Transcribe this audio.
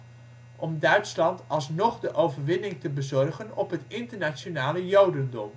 Duitsland alsnog de overwinning te bezorgen op het ' internationale Jodendom